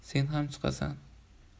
sen ham chiqasan